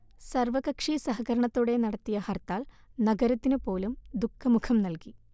സർവകക്ഷി സഹകരണത്തോടെ നടത്തിയ ഹർത്താൽ നഗരത്തിന് പോലും ദുഃഖമുഖം നൽകി